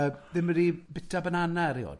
Yy, ddim wedi buta banana eriod,